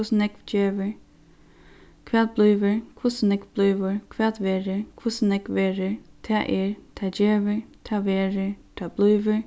hvussu nógv gevur hvat blívur hvussu nógv blívur hvat verður hvussu nógv verður tað er tað gevur tað verður tað blívur